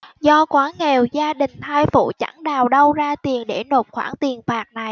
do quá nghèo gia đình thai phụ chẳng đào đâu ra tiền để nộp khoản tiền phạt này